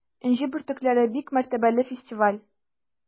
“энҗе бөртекләре” - бик мәртәбәле фестиваль.